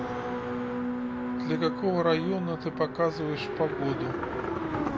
для какого района ты показываешь погоду